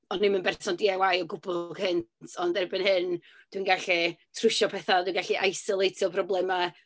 O'n i'm yn berson DIY o gwbl cynt, ond erbyn hyn dwi'n gallu trwsio peth, dwi'n gallu aisolatio problemau.